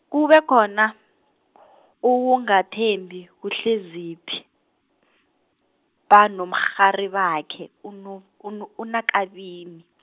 kube khona, ukungathembi kuHleziphi, banomrharibakhe uno- uno- uNaKabini.